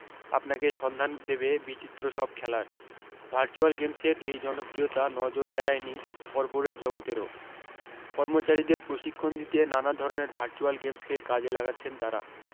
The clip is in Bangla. আপনাকে সন্ধান দেবে বিচিত্র সব খেলার ভারচুয়াল গেমসের এই জনপ্রিয়তা নজর এড়ায়নি কর্পোরেট জগতেরও কর্মচারীদের প্রশিক্ষণ দিতে নানা ধরণের ভারচুয়াল গেমসকে কাজে লাগাচ্ছেন তারা